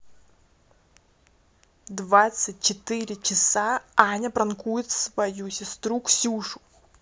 двадцать четыре часа аня пранкует свою сестру ксюшу